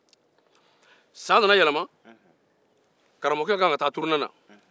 san nana yɛlɛma karamogɔkeka kan ka taa turunɛ na